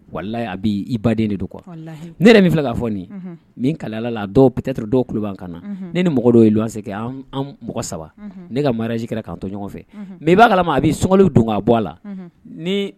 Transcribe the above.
Wallahi a b yen, I baden de don quoi , wallahi ne yɛrɛ min filɛ k'a fɔ nin ye, unhun, wallhi n bɛ n bɛn kale allah la peut etre dɔw tulo bɛ an, unhun, ne ni mɔgɔ dɔw ye luwanse kɛ, anw mɔgɔ 3 , ne ka marriage kɛra k'an tɔ ɲɔgɔn fɛ, unhun, mais i b'a kalama Abi , sunkalo bɛ don ka bɔ a la. ni